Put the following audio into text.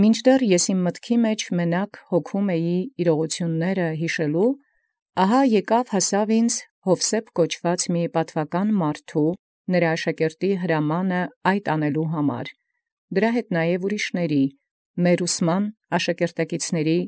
Մինչ դեռ անդէն ի խորհրդանոցի մտացս վասն յուշ արկանելոյ միայնագործ հոգայի, եկեալ հասանէր առ իս հրաման առն միոյ պատուականի Յովսեփ կոչեցելոյ, աշակերտի առն այնորիկ, և ընդ նմին այլոց ևս քաջալերութիւն աշակերտակցաց։